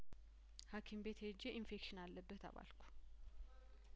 ሀኪም ቤት ሄጄ ኢንፌክሽን አለብህ ተባልኩ